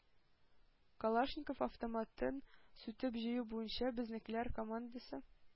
Калашников автоматын сүтеп-җыю буенча безнекеләр командасы